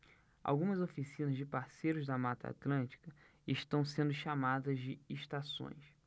algumas oficinas de parceiros da mata atlântica estão sendo chamadas de estações